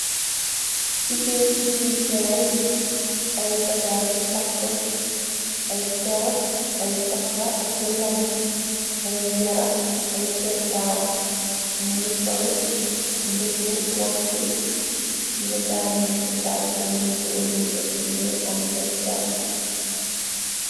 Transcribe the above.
Jijeen gi jaay ay baga ca takk ay per ay caxa aki lam ay ngerax ay pértaaw nu ngi sol mbubb woxci nu daaman ci badbi mu mu suuru mussur bu nyul am ay per.